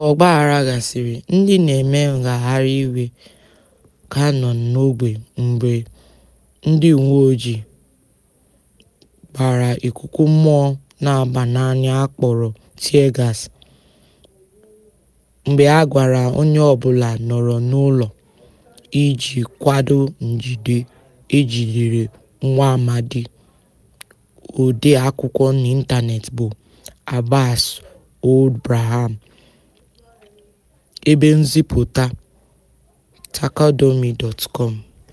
Ka ọgbaaghara gasịrị, ndị na-eme ngagharị iwe ka nọ n'ogbe mgbe ndị uweojii gbara ikuku mmụọ na-aba n'anya a kpọrọ 'tear gas' mgbe a gwara onye ọbụla nọrọ n'ụlọ iji kwado njide e jidere nwaamadị odeakụkọ n'ịntanetị bụ Abbass Ould Braham (Ebe Nzipụta: Taqadoumy.com)